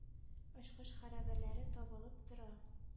Очкыч хәрабәләре табылып тора.